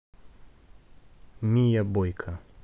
мия бойка